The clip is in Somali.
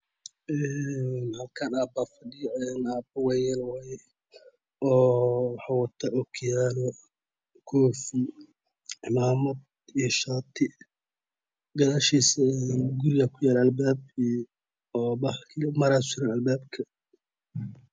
Halkaan aapa fadhiyo apa wayeel wayee oo waxuu wataa okiyaale koofi cimaamad iyo shaati gadashiisa guri yaa ku yaalo alpaap maraa suran alpaabka